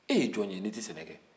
e ye jɔn ye n'i tɛ sɛnɛ kɛ